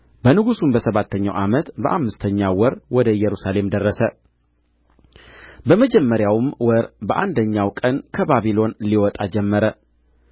በንጉሡም በሰባተኛው ዓመት በአምስተኛው ወር ወደ ኢየሩሳሌም ደረሰ በመጀመሪያውም ወር በአንደኛው ቀን ከባቢሎን ሊወጣ ጀመረ